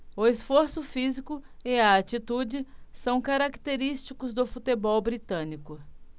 o esforço físico e a atitude são característicos do futebol britânico